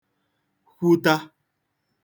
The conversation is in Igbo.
kwuta